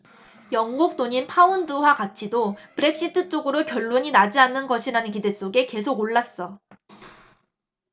영국 돈인 파운드화 가치도 브렉시트 쪽으로 결론이 나지 않는 것이라는 기대 속에 계속 올랐어